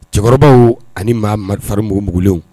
Cɛkɔrɔbaw ani maa maa farimugu mugulenw